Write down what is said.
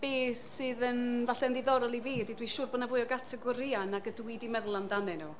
Be sydd yn falle yn ddiddorol i fi ydi dwi'n siwr bod 'na fwy o gategorïau nag ydw i wedi meddwl amdyn nhw.